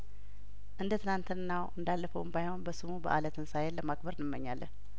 እንደ ትናንትናው እንዳለፈውም ባይሆን በስሙ በአለ ትንሳኤን ለማክበር እንመኛለን